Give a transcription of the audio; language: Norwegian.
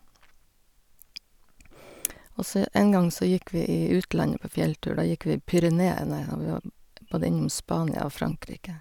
Og så en gang så gikk vi i utlandet på fjelltur, da gikk vi i Pyreneene, og vi var både innom Spania og Frankrike.